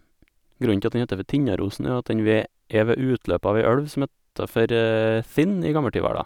Grunnen til at den heter for Tinnarosen er jo at den ved er ved utløpet av ei elv som het for Tinn i gammeltidverda.